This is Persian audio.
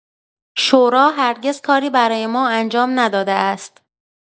شورا هرگز کاری برای ما انجام نداده است.